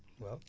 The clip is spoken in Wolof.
waaw